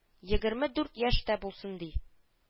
Егерме дүрт яшь тә булсын ди